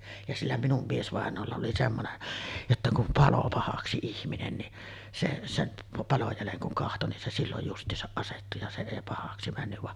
ja sillä minun miesvainajalla oli semmoinen jotta kun paloi pahaksi ihminen niin se sen palon jäljen kun katsoi niin se silloin justiinsa asettui ja se ei pahaksi mennyt vaan